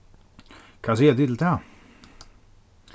hvat siga tit til tað